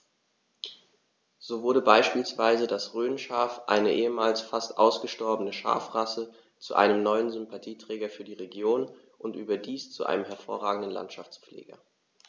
So wurde beispielsweise das Rhönschaf, eine ehemals fast ausgestorbene Schafrasse, zu einem neuen Sympathieträger für die Region – und überdies zu einem hervorragenden Landschaftspfleger.